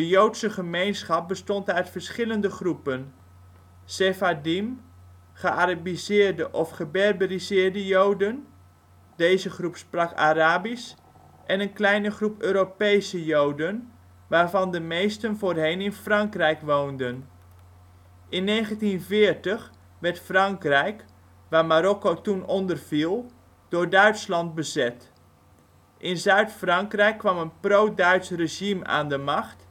Joodse gemeenschap bestond uit verschillende groepen: Sefardiem, gearabiseerde of geberberiseerde Joden (deze groep sprak Arabisch) en een kleine groep Europese Joden (waarvan de meesten voorheen in Frankrijk woonden). In 1940 werd Frankrijk (waar Marokko toen onder viel) door Duitsland bezet. In Zuid-Frankrijk kwam een pro-Duits regime aan de macht